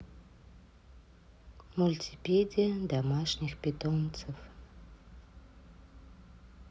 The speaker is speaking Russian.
мультипедия домашних питомцев